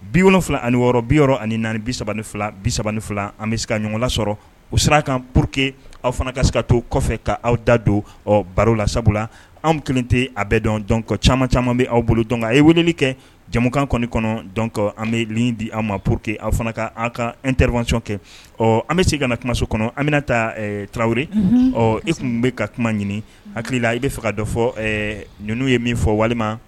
Bi wolo wolonwula ani wɔɔrɔ bi yɔrɔ ani naani bi3 fila bi3 ni fila an bɛ se ka ɲɔgɔnla sɔrɔ u sira kan pur que aw fana ka se ka to kɔfɛ ka aw da don baro la sabula la anw kelen tɛ a bɛɛ dɔn dɔn kɔ caman caman bɛ aw bolo dɔn ye weleli kɛ jamukan kɔnɔn kɔnɔ dɔn an bɛ di an ma pur que aw fana ka an ka an terirwacɔn kɛ ɔ an bɛ se ka na kumaso kɔnɔ an bɛna taa taraweleri ɔ e tun tun bɛ ka kuma ɲini hakili la i b bɛ fɛ ka dɔ fɔ ninnu ye min fɔ walima